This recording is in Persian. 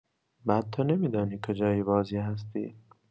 بعد تو نمی‌دانی کجای بازی هستی.